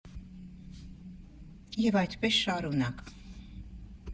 Եվ այդպես շարունակ։